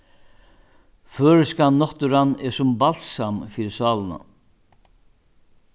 føroyska náttúran er sum balsam fyri sálina